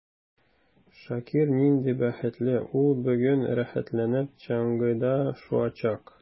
Шакир нинди бәхетле: ул бүген рәхәтләнеп чаңгыда шуачак.